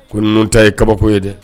Ko ta ye kabako ye dɛ